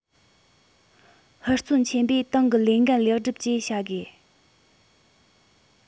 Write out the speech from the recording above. ཧུར བརྩོན ཆེན པོས ཏང གི ལས འགན ལེགས འགྲུབ བཅས བྱ དགོས